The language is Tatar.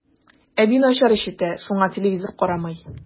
Әби начар ишетә, шуңа телевизор карамый.